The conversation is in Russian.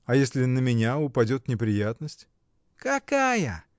— А если на меня упадет неприятность? — Какая?